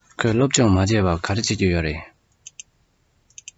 ཁོས སློབ སྦྱོང མ བྱས པར ག རེ བྱེད ཀྱི ཡོད རས